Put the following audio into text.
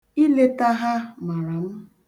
Ileta ha mara m.